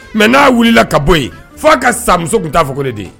Mais n'a wulila ka bɔ yen fo a ka sa muso tun t'a fɔ ko ne den